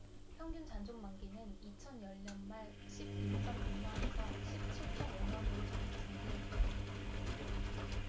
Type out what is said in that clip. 평균 잔존만기는 이천 열 년말 십 일 쩜 육 년에서 십 칠 쩜 오 년으로 점차 장기화되고 있다